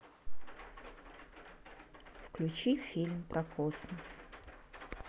включи фильм про космос